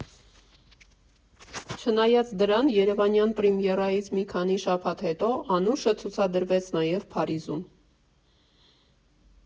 Չնայած դրան, երևանյան պրեմիերայից մի քանի շաբաթ հետո «Անուշը» ցուցադրվեց նաև Փարիզում։